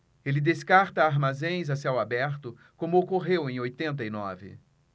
ele descarta armazéns a céu aberto como ocorreu em oitenta e nove